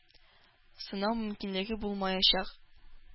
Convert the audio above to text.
Сынау мөмкинлеге булмаячак.